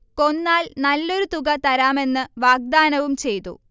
കൊന്നാൽ നല്ലൊരു തുക തരാമെന്ന് വാഗ്ദാനവും ചെയ്തു